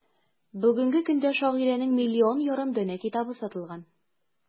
Бүгенге көндә шагыйрәнең 1,5 миллион данә китабы сатылган.